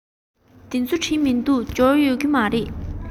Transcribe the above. དེ ཚོ བྲིས མི འདུག འབྱོར ཡོད ཀྱི རེད